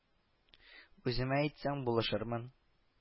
– үземә әйт соң, булышырмын